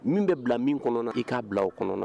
Min bɛ bila min kɔnɔ i k'a bila o kɔnɔ